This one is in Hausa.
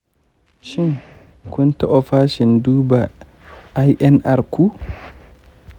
shin, kun taɓa fashin duba inr ku?